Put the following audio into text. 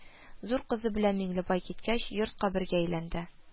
Зур кызы белән Миңлебай киткәч, йорт кабергә әйләнде